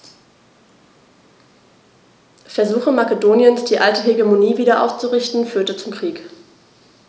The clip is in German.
Versuche Makedoniens, die alte Hegemonie wieder aufzurichten, führten zum Krieg.